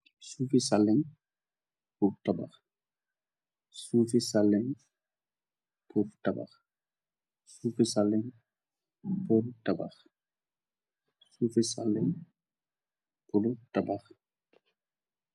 Sufi saleng pur tabakh